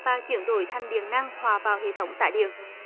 và chuyển đổi thành điện năng hòa vào hệ thống tải điện